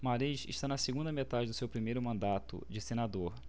mariz está na segunda metade do seu primeiro mandato de senador